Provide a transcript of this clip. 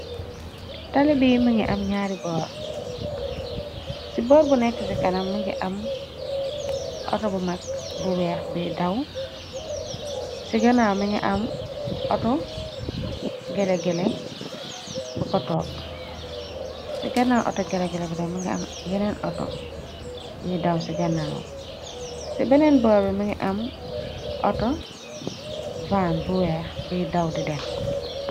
Tali biy mi ngi am ñaari boor ci borgu nekk ci kana mi ngi am auto bu mag bu weex boye daw se ganaaw mi ngi am ato gelegele bu kutoopu ci gannaw auto gelegele bna mingi am yeneen auto yi daw c ganawam ci beneen boorbi mingi am auto van bu weex bi daw di dem.